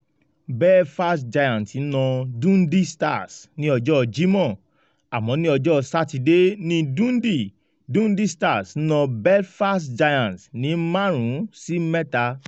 Belfast Giants na Dundee Stars ní ọjọ́ Jímọ̀. Àmọ́ ní ọjọ́ Sátidé ní Dundee, Dundee Stars na Belfast Giants ní 5 sí 3.